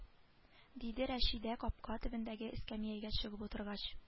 Диде рәшидә капка төбендәге эскәмиягә чыгып утыргач